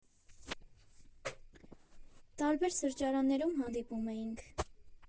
Տարբեր սրճարաններում հանդիպում էինք։